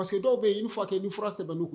Masakɛ dɔw bɛ yen n fa kɛ nin fura sɛbɛn